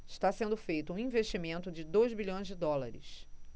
está sendo feito um investimento de dois bilhões de dólares